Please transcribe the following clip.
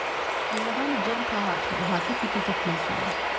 Երևանը ջերմ քաղաք է, ուղղակի պիտի գտնես այն։